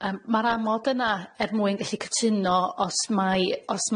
Yym ma'r amod yna er mwyn gallu cytuno os mai os